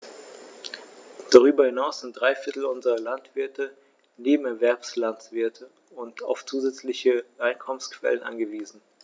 Darüber hinaus sind drei Viertel unserer Landwirte Nebenerwerbslandwirte und auf zusätzliche Einkommensquellen angewiesen.